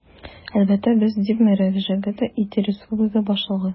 Әлбәттә, без, - дип мөрәҗәгать итте республика башлыгы.